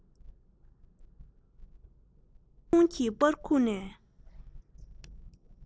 སྟོད ཐུང གི པར ཁུག ནས